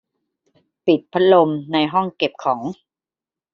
ปิดพัดลมในห้องเก็บของ